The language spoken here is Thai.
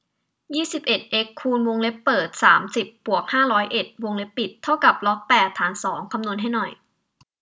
ยี่สิบเอ็ดเอ็กซ์คูณวงเล็บเปิดสามสิบบวกห้าร้อยเอ็ดวงเล็บปิดเท่ากับล็อกแปดฐานสองคำนวณให้หน่อย